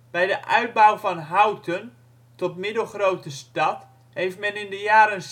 Bij de uitbouw van Houten tot middelgrote stad heeft men in de jaren zeventig